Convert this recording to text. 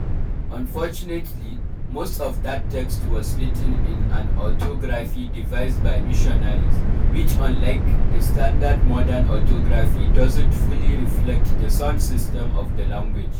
Unfortunately, most of that text was written in an orthography devised by missionaries which, unlike the standard modern orthography, doesn’t fully reflect the sound system of the language.